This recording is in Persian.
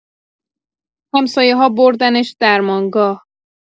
همسایه‌ها بردنش درمانگاه.